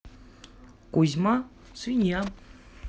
кузьма свинья